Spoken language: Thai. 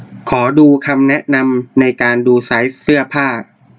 ขอดูคำแนะนำในการดูไซส์เสื้อผ้า